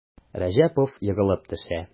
Рәҗәпов егылып төшә.